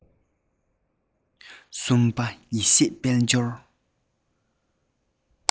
སུམ པ ཡེ ཤེས དཔལ འབྱོར